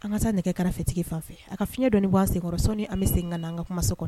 An ka taa nɛgɛ karafetigi fan fɛ a ka fiɲɛ dɔ ni bɔse kɔrɔsɔ an bɛ sen n ka na an ka kuma so kɔnɔ